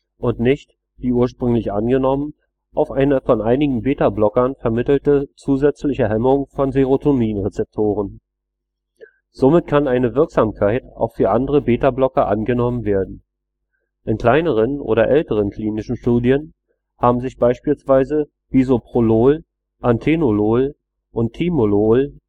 und nicht, wie ursprünglich angenommen, auf eine von einigen Betablockern vermittelte zusätzliche Hemmung von Serotonin-Rezeptoren. Somit kann eine Wirksamkeit auch für andere Betablocker angenommen werden. In kleineren oder älteren klinischen Studien haben sich beispielsweise auch Bisoprolol, Atenolol oder Timolol